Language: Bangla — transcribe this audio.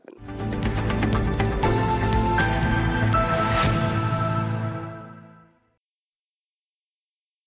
music